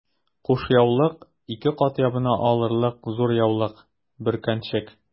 Кушъяулык— ике кат ябына алырлык зур яулык, бөркәнчек...